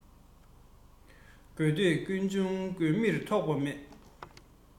དགོས འདོད ཀུན འབྱུང དགོས མིར ཐོགས པ མེད